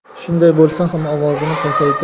shunday bo'lsa ham ovozini